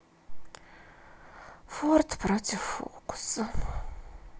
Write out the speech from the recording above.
форд против фокуса